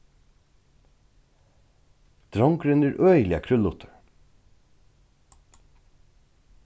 drongurin er øgiliga krúllutur